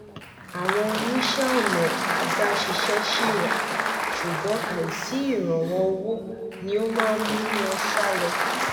"Àwọn oníṣẹ́-ọnà adáṣiṣẹ́ ṣì wà, ṣùgbọ́n àìsí ìrànwọ́ owó ni ó máa ń mú wọ́n sálọ.